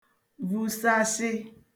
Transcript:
vusashị